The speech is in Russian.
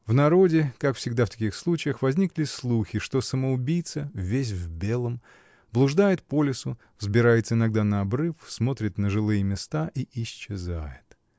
В народе, как всегда в таких случаях, возникли слухи, что самоубийца, весь в белом, блуждает по лесу, взбирается иногда на обрыв, смотрит на жилые места и исчезает.